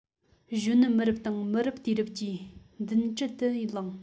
གཞོན ནུ མི རབས དང མི རབས དུས རབས ཀྱི མདུན གྲལ དུ ལངས